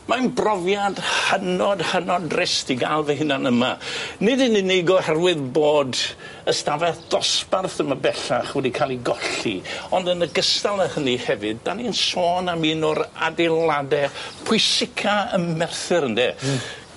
Mae'n brofiad hynod hynod drist i ga'l fy hunan yma nid yn unig oherwydd bod y stafell dosbarth yma bellach wedi ca'l 'i golli ond yn ogystal â hynny hefyd 'dan ni'n sôn am un o'r adeilade pwysica ym Merthyr ynde? Hmm.